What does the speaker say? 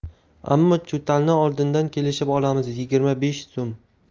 ammo cho'talni oldindan kelishib olamiz yigirma besh so'm